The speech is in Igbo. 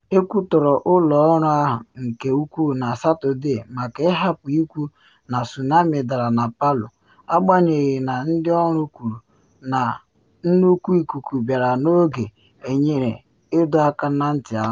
Ekwutọrọ ụlọ ọrụ ahụ nke ukwuu na Satọde maka ịhapụ ikwu na tsunami dara na Palu, agbanyeghị na ndị ọrụ kwuru na nnukwu ikuku bịara n’oge enyere ịdọ aka na ntị ahụ.